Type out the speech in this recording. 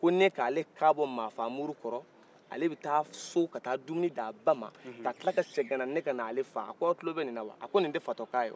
ko neka ale kan bɔ mafaa muru kɔrɔ ale bɛ taa so kata dumuni d'a ba ma ka k'ila segin kana ne k' ale faa a k'aw tulu bɛnina wa nin tɛ fatɔ kan ye wa